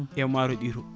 e maaroji ɗi to